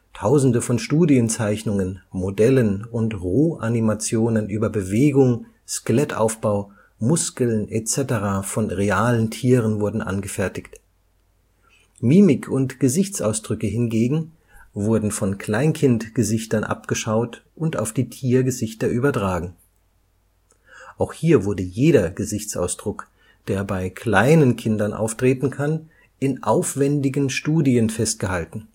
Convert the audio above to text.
Tausende von Studienzeichnungen, Modellen und Roh-Animationen über Bewegung, Skelettaufbau, Muskeln etc. von realen Tieren wurden angefertigt. Mimik und Gesichtsausdrücke hingegen wurden von Kleinkindgesichtern abgeschaut und auf die Tiergesichter übertragen. Auch hier wurde jeder Gesichtsausdruck, der bei kleinen Kindern auftreten kann, in aufwendigen Studien festgehalten